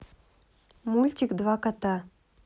мультик два кота